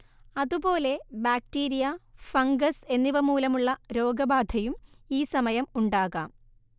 അതുപോലെ bacteria, fungus എന്നിവമൂലമുള്ള രോഗബാധയും ഈസമയം ഉണ്ടാകാം